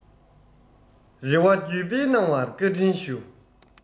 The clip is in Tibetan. རེ བ བརྒྱུད སྤེལ གནང བར བཀའ དྲིན ཞུ